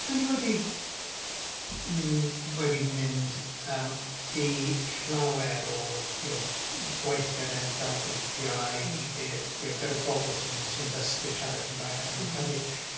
Dan ni wedi m- wedi mynd yym i llawer o y'know gweithgareddau grŵpiau i- gyda bobl sy'n sy'n sy'n dysgu siarad Cymraeg yn Caerdydd.